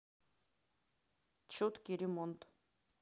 четкий ремонт